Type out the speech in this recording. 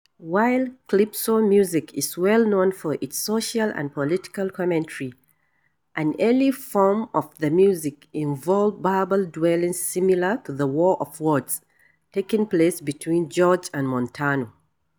While calypso music is well known for its social and political commentary, an early form of the music involved verbal dueling similar to the war of words taking place between George and Montano.